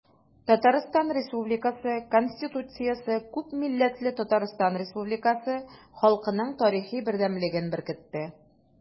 Татарстан Республикасы Конституциясе күпмилләтле Татарстан Республикасы халкының тарихы бердәмлеген беркетте.